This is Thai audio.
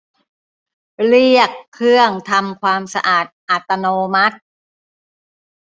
เรียกเครื่องทำความสะอาดอัตโนมัติ